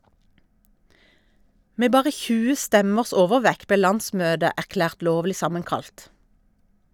Med bare 20 stemmers overvekt ble landsmøtet erklært lovlig sammenkalt.